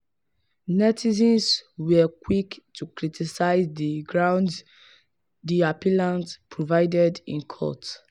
Netizens were quick to criticize the grounds the appellant provided in court.